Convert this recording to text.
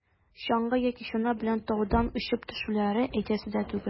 Чаңгы яки чана белән таудан очып төшүләрне әйтәсе дә түгел.